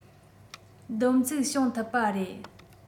བསྡོམས ཚིག བྱུང ཐུབ པ རེད